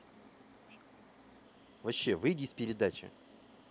вообще выйди из передачи